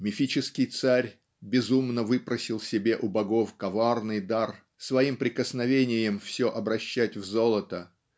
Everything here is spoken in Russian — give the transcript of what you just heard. Мифический царь безумно выпросил себе у богов коварный дар своим прикосновением все обращать в золото